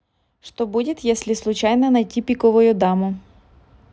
что будет если случайно найти пиковую даму